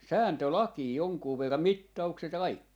sääntölakeja jonkun verran mittaukset ja kaikki